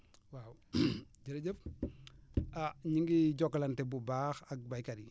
waaw jërëjëf ah ñu ngi jokkalante bu baax ak béykat yi